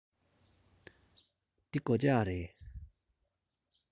འདི སྒོ ལྕགས རེད